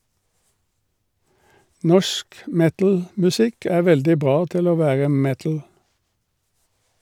Norsk metalmusikk er veldig bra til å være metal.